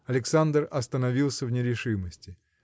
Александр остановился в нерешимости.